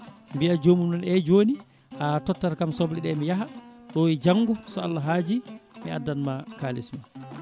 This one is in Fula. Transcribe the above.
mbiya joomum noon eyyi joni a tottat kam sobleɗe mi yaaha ɗo e janggo so Allah haaji mi addanma kalisma